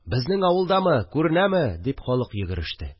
– безнең авылдамы? күренәме? – дип халык йөгереште